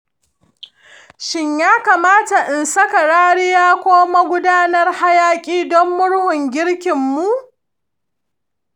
shin ya kamata in saka rariya ko magudanar hayaƙi don murhun girkinmu?